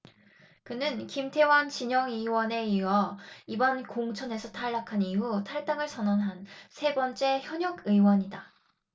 그는 김태환 진영 의원에 이어 이번 공천에서 탈락한 이후 탈당을 선언한 세 번째 현역 의원이다